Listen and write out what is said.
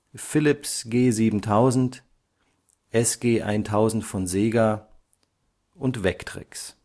Philips G7000 SG-1000 von Sega Vectrex